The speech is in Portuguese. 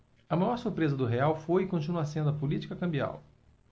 a maior surpresa do real foi e continua sendo a política cambial